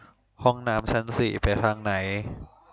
ห้องน้ำชั้นสี่ไปทางไหน